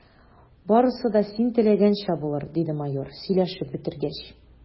Барысы да син теләгәнчә булыр, – диде майор, сөйләшеп бетергәч.